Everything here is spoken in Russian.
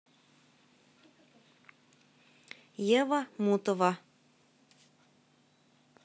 ева мутова